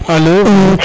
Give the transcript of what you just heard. alo